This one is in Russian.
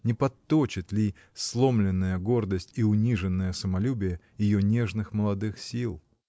Не подточит ли сломленная гордость и униженное самолюбие ее нежных, молодых сил?